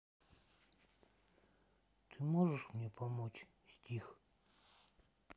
ты можешь мне помочь стих